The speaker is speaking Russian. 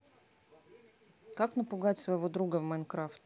как напугать своего друга в майнкрафте